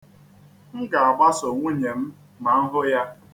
M ga-agbaso nwunye m ma m hụ ya.